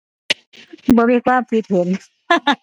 บ่มีความคิดเห็น